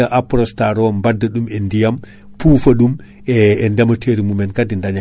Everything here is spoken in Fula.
Aprostar ko prduit mo ganduɗa addi ɗum e leydi he ko sygenta